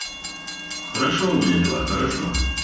хорошо у меня дела хорошо